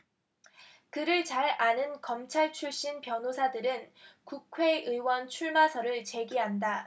그를 잘 아는 검찰 출신 변호사들은 국회의원 출마설을 제기한다